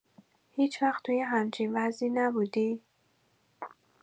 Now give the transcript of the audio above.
هیچ‌وقت توی همچین وضعی نبودی؟